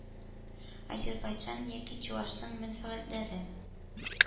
Азәрбайҗан яки чуашның мәнфәгатьләре